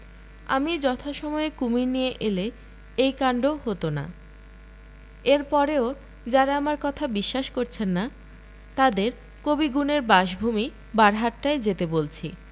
আমি যথাসময়ে কুমীর নিয়ে এলে এই কান্ড হত না এর পরেও যারা আমার কথা বিশ্বাস করছেন না তাঁদের কবি গুণের বাসভূমি বারহাট্টায় যেতে বলছি